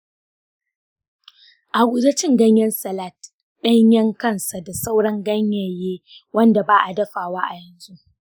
a guji cin ganyen salak danyen kansa da sauran ganyaye wanda ba’a dafawa a yanzu